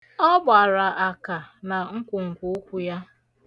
Ọ gbara aka na nkwonkwoụkwụ ya.